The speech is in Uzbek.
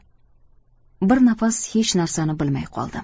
bir nafas hech narsani bilmay qoldim